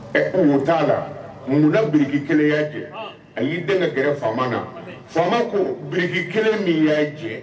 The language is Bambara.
Ɛ kungo ta la. Mun na biriki kelen ya jɛ . A yi dɛn ka gɛrɛ faama na . Faama ko biriki kelen min ya jɛ